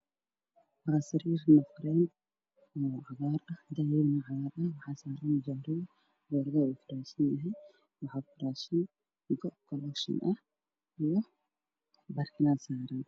Waa sariir nooceeda yahay labo nafar Waxaa saaran go. Cadaan ah